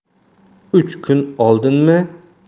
uch kun oldinmi